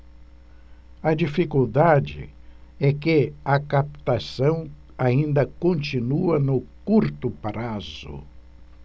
a dificuldade é que a captação ainda continua no curto prazo